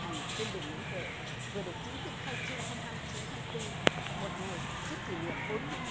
hành trên đường nguyễn huệ vừa được chính thức khai trương không hai mươi chín tháng tư một ngày trước kỷ niệm bốn mươi năm